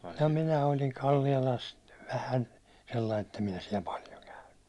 en minä oikein Kallialasta vähän sellainen että en minä siellä paljon käynyt